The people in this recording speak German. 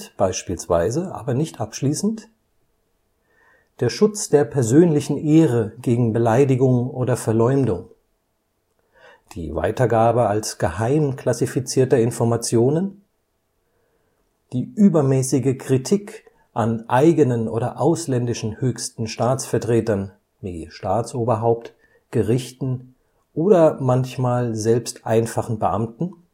Meinungsäußerungsfreiheit sind (nicht abschließend): der Schutz der persönlichen Ehre gegen Beleidigung oder Verleumdung, die Weitergabe als geheim klassifizierter Informationen, die übermäßige Kritik an eigenen oder ausländischen höchsten Staatsvertretern wie Staatsoberhaupt, Gerichten oder manchmal selbst einfachen Beamten